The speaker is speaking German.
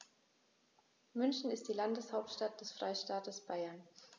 München ist die Landeshauptstadt des Freistaates Bayern.